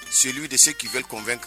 Selili bɛ de se k'ip kɔnbɛn kan